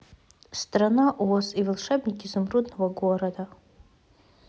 страна оз и волшебник изумрудного города